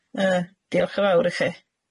Yy, diolch yn fawr ichi.